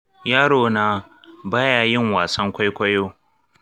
yarona ba ya yin wasan kwaikwayo